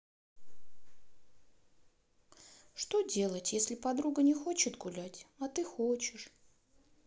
что делать если подруга не хочет гулять а ты хочешь